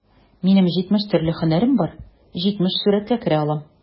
Минем җитмеш төрле һөнәрем бар, җитмеш сурәткә керә алам...